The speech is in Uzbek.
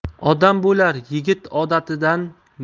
odam bo'lar yigit odatidan